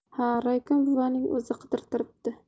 ha raykom buvaning o'zi qidirtiribdi